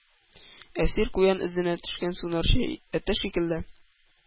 Әсир, куян эзенә төшкән сунарчы эте шикелле,